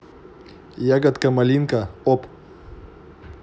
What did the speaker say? ягодка малинка оп